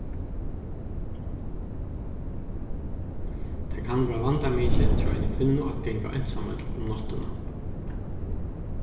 tað kann vera vandamikið hjá eini kvinnu at ganga einsamøll um náttina